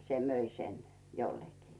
se myi sen jollekin